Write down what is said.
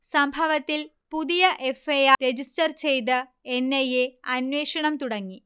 സംഭവത്തിൽ പുതിയ F. I. R. Register ചെയ്ത് എൻ. ഐ. എ. അന്വേഷണം തുടങ്ങി